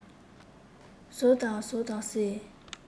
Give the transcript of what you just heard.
ཟོ དང ཟོ དང ཟེར